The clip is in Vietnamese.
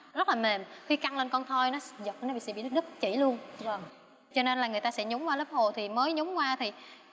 rất là mềm khi căng lên con thoi nó sẽ dật nó sẽ bị đứt chỉ luôn vầng cho nên là người ta sẽ nhúng qua lớp hồ thì mới nhúng qua thì